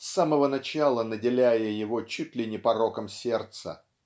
с самого начала наделяя его чуть ли не пороком сердца